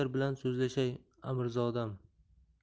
beklar bilan so'zlashay amirzodam